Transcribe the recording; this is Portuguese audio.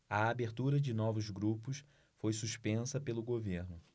a abertura de novos grupos foi suspensa pelo governo